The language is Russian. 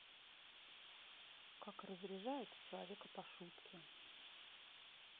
как разряжают человека по шутке